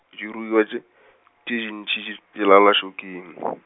diruiwa tše, tše ntšhi, di lala šokeng.